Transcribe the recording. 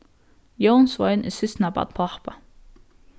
jónsvein er systkinabarn pápa